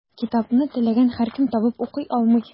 Китапны теләгән һәркем табып укый алмый.